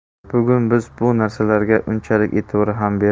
bugun biz bu narsalarga unchalik e'tibor ham